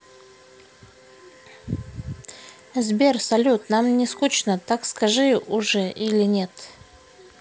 сбер салют нам не скучно так скажи уже или нет